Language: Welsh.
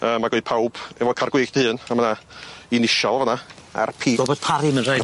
Yy ma' gennai pawb efo car gwyllt 'un a ma' 'na inisial fyn 'na Are Pee. Robert Parry ma'n rhaid.